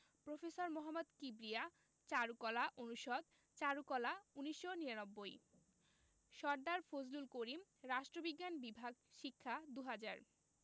professor Mohammad Kibria চারুকলা অনুষদ চারুকলা ১৯৯৯ সরদার ফজলুল করিম রাষ্ট্রবিজ্ঞান বিভাগ শিক্ষা ২০০০